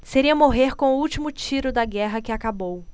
seria morrer com o último tiro da guerra que acabou